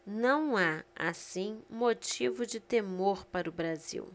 não há assim motivo de temor para o brasil